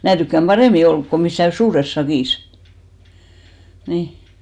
minä tykkään paremmin olla kun missään suuressa sakissa niin